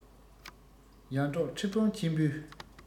ཡར འབྲོག ཁྲི དཔོན ཆེན པོས